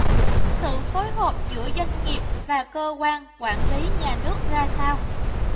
sự phối hợp giữa doanh nghiệp và cơ quan quản lý nhà nước ra sao